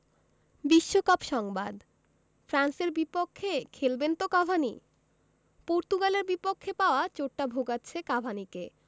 বিশ্বকাপ সংবাদ ফ্রান্সের বিপক্ষে খেলবেন তো কাভানি পর্তুগালের বিপক্ষে পাওয়া চোটটা ভোগাচ্ছে কাভানিকে